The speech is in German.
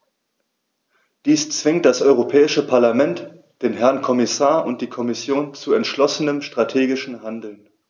Dies zwingt das Europäische Parlament, den Herrn Kommissar und die Kommission zu entschlossenem strategischen Handeln.